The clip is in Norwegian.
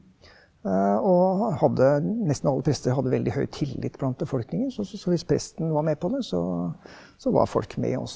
og hadde nesten alle prester hadde veldig høy tillit blant befolkningen så så så hvis presten var med på det, så så var folk med også.